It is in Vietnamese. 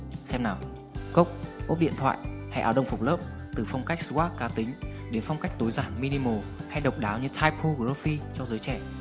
xem nào cốc ốp điện thoại hay áo đồng phục lớp từ phong cách swag cá tính đến phong cách tối giản minimal hay độc đáo như typhography cho giới trẻ